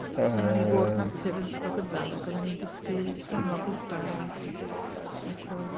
Yym... Roedd gynnon ni fwrdd natur yn ysgol gynradd ac oedden ni'n dysgu enwau blodau a coed.